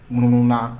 Mununa